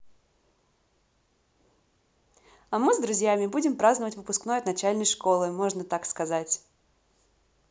а мы с друзьями будем праздновать выпускной от начальной школы можно так сказать